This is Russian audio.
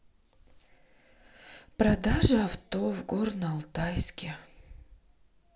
продажа авто в горно алтайске